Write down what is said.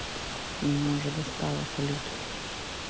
меня уже достала салют